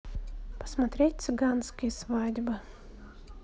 посмотреть цыганские свадьбы